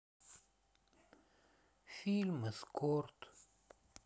фильм эскорт